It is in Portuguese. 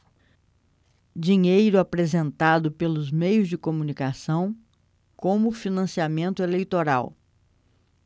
dinheiro apresentado pelos meios de comunicação como financiamento eleitoral